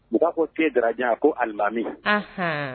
U t'a fɔ se Darajan, ko alimami, anhan.